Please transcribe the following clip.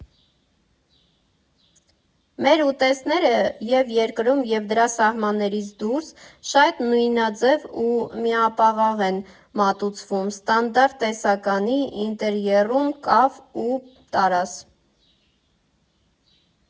֊ Մեր ուտեստները և երկրում, և դրա սահմաններից դուրս շատ նույնաձև ու միապաղաղ են մատուցվում՝ստանդարտ տեսականի, ինտերիերում՝ կավ ու տարազ։